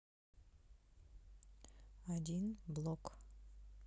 один блок